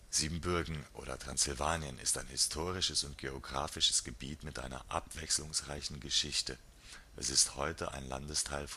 Siebenbürgen oder Transsilvanien, ein historisches und geografisches Gebiet mit einer abwechslungsreichen Geschichte, ist heute ein Landesteil